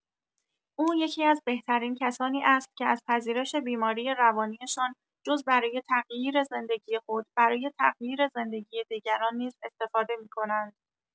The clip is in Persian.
او یکی‌از بهترین کسانی است که از پذیرش بیماری روانی‌شان، جز برای تغییر زندگی خود، برای تغییر زندگی دیگران نیز استفاده می‌کنند.